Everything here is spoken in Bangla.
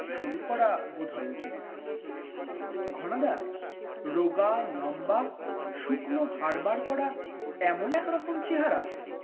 শুরু করা বোধ হয় উচিত ঘনাদা রোগা লম্বা শুকনো হাড় বার করা এমন একরকম চেহারা